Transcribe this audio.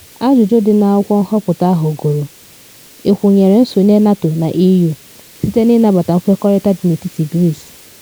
Ajụjụ dị n’akwụkwọ nhọpụta ahụ gụrụ: “Ị kwụnyere nsonye NATO na EU site na ịnabata nkwekọrịta dị n’etiti Greece.”